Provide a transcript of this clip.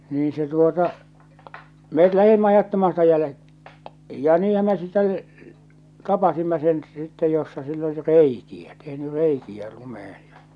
niin se tuota me lähdimme ajattamaan sitä - ja niinhän me sitten tapasimme sen sitten jossa sillä oli reikiä tehnyt reikiä lumeen ja